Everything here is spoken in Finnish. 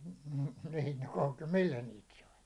mm niin oli millä niitä sai